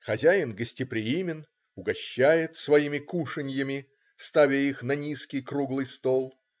Хозяин гостеприимен, угощает своими кушаньями, ставя их на низкий круглый стол.